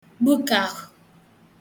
gbukàhụ̄